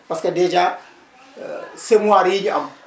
parce que dèjà semoires yii ñu am